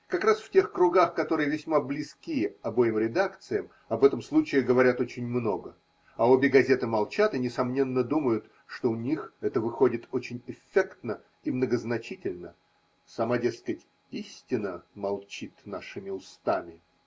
Как раз в тех кругах, которые весьма близки обоим редакциям, об этом случае говорят очень много, а обе газеты молчат и, несомненно, думают, что у них это выходит очень эффектно и многозначительно: сама, дескать, истина молчит нашими устами!